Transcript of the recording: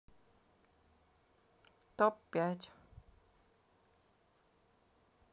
топ пять